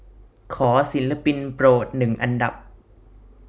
ขอศิลปินโปรดหนึ่งอันดับ